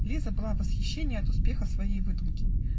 Лиза была в восхищении от успеха своей выдумки.